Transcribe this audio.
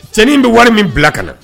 Cɛnin bɛ wari min bila ka na